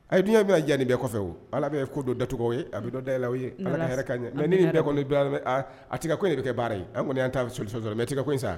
A ye dunya min diyaani bɛɛ kɔfɛ ala bɛ ye ko don dacogo ye a bɛ don day ye ala ka yɛrɛ ka ɲɛ mɛ ni ni bɛɛ kɔni a tɛ ka in de bɛ kɛ baara an kɔni an taa so mɛ e tɛ in sa